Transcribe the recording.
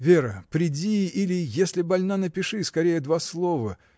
Вера, приди или, если больна, напиши скорее два слова.